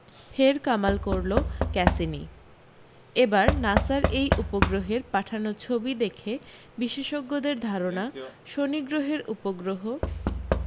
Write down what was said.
ফের কামাল করল ক্যাসিনি এবার নাসার এই উপগ্রহের পাঠানো ছবি দেখে বিশেষজ্ঞদের ধারণা শনি গ্রহের উপগ্রহ